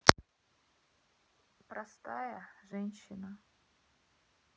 простая женщина